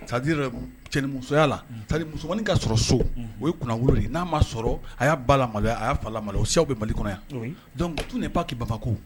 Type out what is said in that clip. Sadi cɛnmusoya la samuso ka sɔrɔ so o yekolon de n'a ma sɔrɔ a' bamaya a' fama o se bɛ bali kɔnɔ yan dɔnkuc tun de paki bamakɔko